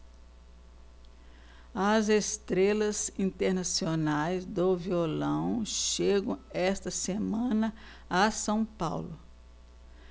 as estrelas internacionais do violão chegam esta semana a são paulo